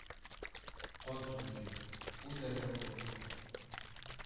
Кан түгелде, ул дәрья булып ага